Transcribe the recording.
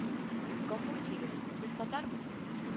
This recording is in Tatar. Гафу итегез сез татармы